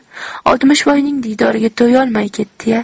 oltmishvoyning diydoriga to'yolmay ketdi ya